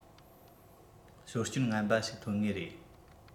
ཞོར སྐྱོན ངན པ ཞིག ཐོན ངེས རེད